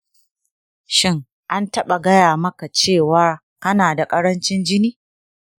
shin, an taɓa gaya maka cewa kana da ƙarancin jini?